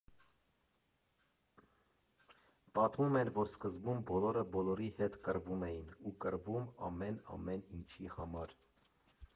Պատմում են, որ սկզբում բոլորը բոլորի հետ կռվում էին, ու կռվում ամեն֊ամեն ինչի համար…